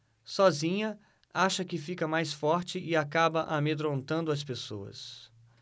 sozinha acha que fica mais forte e acaba amedrontando as pessoas